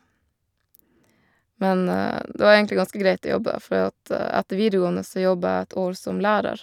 Men det var egentlig ganske greit å jobbe, fordi at etter videregående så jobba jeg et år som lærer.